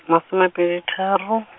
masomepedi tharo .